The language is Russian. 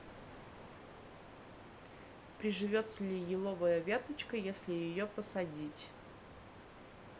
приживется ли еловая веточка если ее посадить